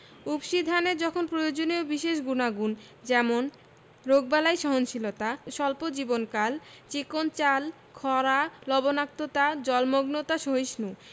উফশী ধানে যখন প্রয়োজনীয় বিশেষ গুনাগুণ যেমন রোগবালাই সহনশীলতা স্বল্প জীবনকাল চিকন চাল খরা লবনাক্ততা জলমগ্নতা সহিষ্ণু